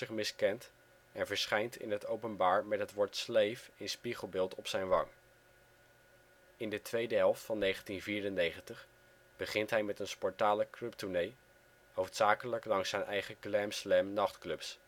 miskend en verschijnt in het openbaar met het woord " Slave " in spiegelbeeld op zijn wang. In de tweede helft van 1994 begint hij met een spontane clubtournee, hoofdzakelijk langs zijn eigen " Glam Slam "- nachtclubs